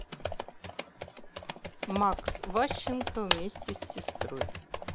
макс ващенко вместе с сестрой